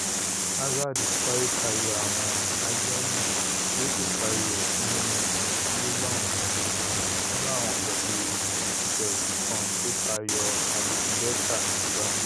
Hazard sáré tayọ àwọn agbéyìn tí o sì pari rẹ̀ sínú igun ojúlé lọ́ọ̀hún ó sì fi sínú àwọ̀n pẹ̀lú ẹsẹ̀ òsì kan tó tayọ Alisson Becker ti Liverpool.